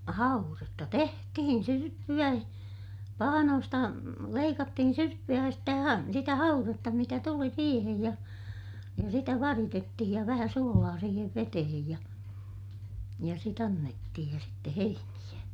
haudetta tehtiin syrppyä pahnoista leikattiin syrppyä ja sitä - sitä haudetta mitä tuli siihen ja ja sitä varitettiin ja vähän suolaa siihen veteen ja ja sitten annettiin ja sitten heiniä